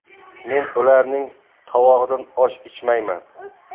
men ularning tovog'idan osh ichmayman